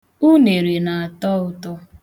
Unere na-atọ ụtọ.